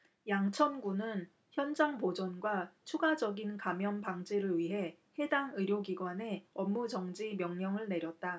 양천구는 현장 보존과 추가적인 감염 방지를 위해 해당 의료기관에 업무정지 명령을 내렸다